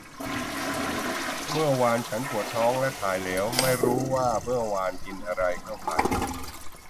เมื่อวานฉันปวดท้องและถ่ายเหลวไม่รู้ว่าเมื่อวานกินอะไรเข้าไป